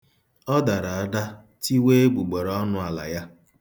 Ọ dara ada, tiwaa egbugbereọnụ ala ya.